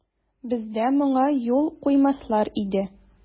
Бездә моңа юл куймаслар иде.